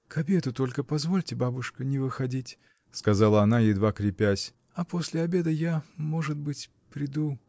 — К обеду только позвольте, бабушка, не выходить, — сказала она, едва крепясь, — а после обеда, я, может быть, приду.